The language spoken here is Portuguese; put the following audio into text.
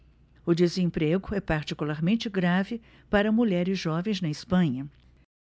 o desemprego é particularmente grave para mulheres jovens na espanha